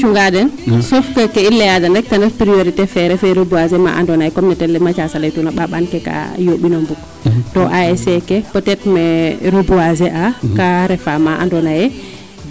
In way cungaa den sauf que ke i layaa den rek ten ref priorité fe refe reboiser ma andoona yee comme ne Mathiass a laytuuna ɓaɓan ke kaa yooɓin o o ndik to ASC ke peut etre me o reboiser a kaa refa maa andoona yee.